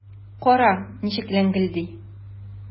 Кара, ничек ләңгелди!